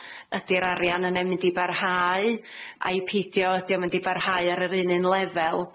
ydi'r arian yne'n mynd i barhau ai peidio. Ydi o mynd i barhau ar yr un un lefel